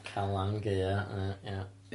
Calan Gaea yy ia.